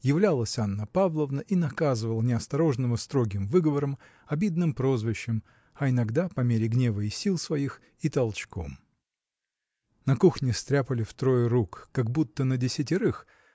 являлась Анна Павловна и наказывала неосторожного строгим выговором обидным прозвищем а иногда по мере гнева и сил своих и толчком. На кухне стряпали в трое рук как будто на десятерых